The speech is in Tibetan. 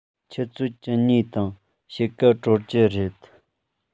ཆུ ཚོད བཅུ གཉིས དང ཕྱེད ཀར གྲོལ གྱི རེད